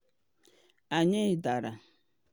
Anyị dara.